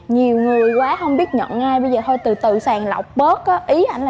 nhiều người quá không biết nhận ai bây giờ thôi từ từ sàng lọc bớt á ý anh